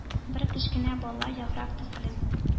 Бер кечкенә бала, яфрак төсле